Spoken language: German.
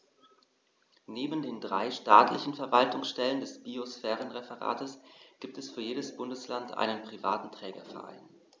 Neben den drei staatlichen Verwaltungsstellen des Biosphärenreservates gibt es für jedes Bundesland einen privaten Trägerverein.